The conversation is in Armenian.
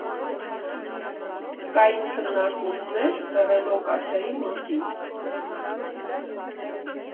Կային քննարկումներ ռելոկացիայի մասին»։